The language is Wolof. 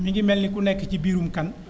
ñu ngi mel ni ku nekk ci biirum canne